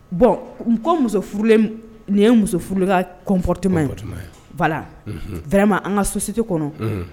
Bɔn n ko muso nin ye muso furula kɔnfɔ tema bala fɛrɛ ma an ka sositi kɔnɔ